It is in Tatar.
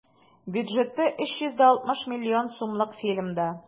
Бюджеты 360 миллион сумлык фильмда.